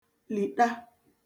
lìṭa